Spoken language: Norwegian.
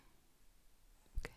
OK.